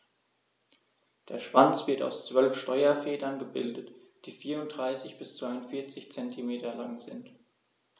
Der Schwanz wird aus 12 Steuerfedern gebildet, die 34 bis 42 cm lang sind.